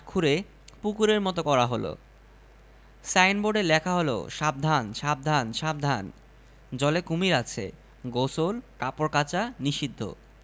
কুমীর কি লাল হয় আর্টিস্ট বিরক্ত মুখে বললেন লাল না এটা মেজেন্টা কালার কুমীর কি মেজেন্টা কালারের হয় হয় না ইচ্ছা করেই মেজেন্টা করে দিলাম